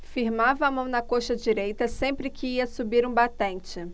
firmava a mão na coxa direita sempre que ia subir um batente